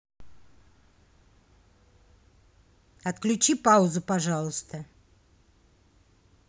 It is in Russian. отключи паузу пожалуйста